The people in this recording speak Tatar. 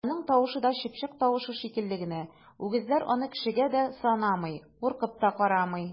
Аның тавышы да чыпчык тавышы шикелле генә, үгезләр аны кешегә дә санамый, куркып та карамый!